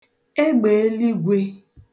egbèeligwē